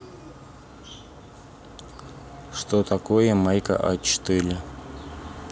что такое майка а четыре